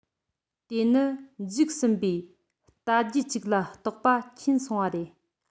དེ ནི འཇིག ཟིན པའི རྟ རྒྱུད ཅིག ལ གཏོགས པ མཁྱེན སོང བ རེད